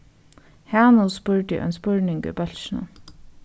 hanus spurdi ein spurning í bólkinum